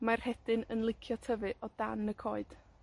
Mae'r rhedyn yn licio tyfu o dan y coed.